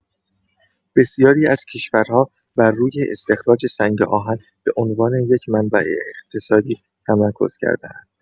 بسیاری از کشورها بر روی استخراج سنگ‌آهن به عنوان یک منبع اقتصادی تمرکز کرده‌اند.